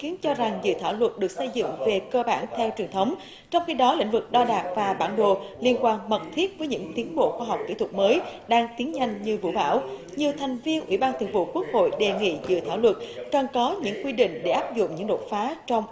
kiến cho rằng dự thảo luật được xây dựng về cơ bản theo truyền thống trong khi đó lĩnh vực đo đạc và bản đồ liên quan mật thiết với những tiến bộ khoa học kỹ thuật mới đang tiến nhanh như vũ bão nhiều thành viên ủy ban thường vụ quốc hội đề nghị dự thảo luật cần có những quy định để áp dụng những đột phá trong